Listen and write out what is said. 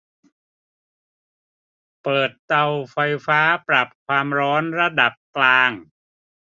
เปิดเตาไฟฟ้าปรับความร้อนระดับกลาง